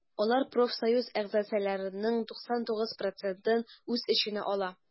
Алар профсоюз әгъзаларының 99 процентын үз эченә ала.